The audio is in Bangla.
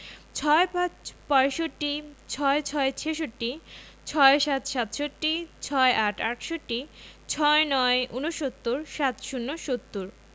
৬৫ – পয়ষট্টি ৬৬ – ছেষট্টি ৬৭ – সাতষট্টি ৬৮ – আটষট্টি ৬৯ – ঊনসত্তর ৭০ - সত্তর